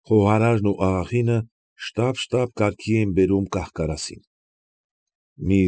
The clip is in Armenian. Խոհարարն ու աղախինը շտապ֊շաապ կարգի էին բերում կահ֊կարասին։